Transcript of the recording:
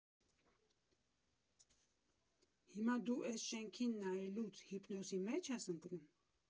Հիմա դու էս շենքին նայելուց հիպնոսի մեջ ես ընկնու՞մ…